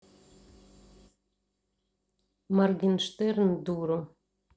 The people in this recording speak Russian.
моргенштерн дуру